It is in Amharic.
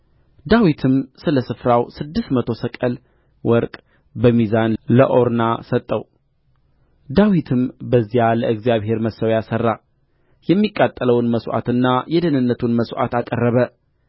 ዳዊትም ስለ ስፍራው ስድስት መቶ ሰቅል ወርቅ በሚዛን ለኦርና ሰጠው ዳዊትም በዚያ ለእግዚአብሔር መሠዊያ ሠራ የሚቃጠለውን መሥዋዕትና የደኅንነቱን መሥዋዕት አቀረበ